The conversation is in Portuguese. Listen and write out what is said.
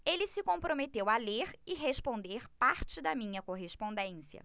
ele se comprometeu a ler e responder parte da minha correspondência